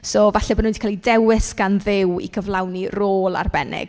So falle bo' nhw 'di cael eu dewis gan Dduw i gyflawni rôl arbennig.